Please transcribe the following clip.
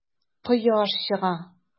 Кояш чыга.